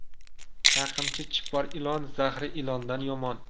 chaqimchi chipor ilon zahri ilondan yomon